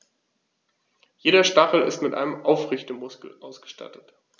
Jeder Stachel ist mit einem Aufrichtemuskel ausgestattet.